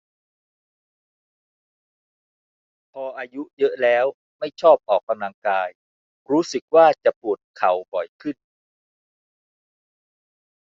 พออายุเยอะแล้วไม่ชอบออกกำลังกายรู้สึกว่าจะปวดเข่าบ่อยขึ้น